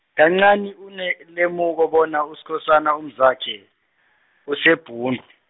kancani unelemuko, bona Uskhosana umzakhe, useBhundu.